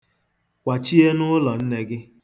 Kwachie n'ụlọ nne gị.